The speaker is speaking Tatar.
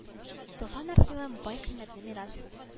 Туфан архивы бай кыйммәтле мирас